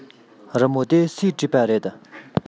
རི མོ དེ སུས བྲིས པ རེད